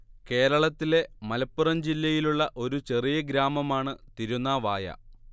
കേരളത്തിലെ മലപ്പുറം ജില്ലയിലുള്ള ഒരു ചെറിയ ഗ്രാമമാണ് തിരുനാവായ